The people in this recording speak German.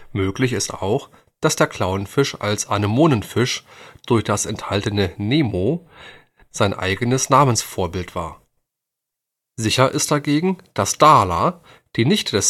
Möglich ist auch, dass der Clownfisch als Anemonenfisch durch das enthaltene „ nemo “sein eigenes Namensvorbild war. Sicher ist dagegen, dass Darla, die Nichte